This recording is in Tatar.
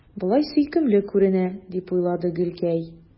Болай сөйкемле күренә, – дип уйлады Гөлкәй.